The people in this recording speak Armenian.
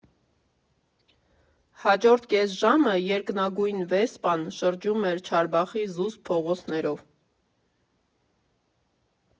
Հաջորդ կես ժամը երկնագույն «Վեսպան» շրջում էր Չարբախի զուսպ փողոցներով։